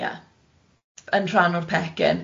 Ie, yn rhan o'r pecyn.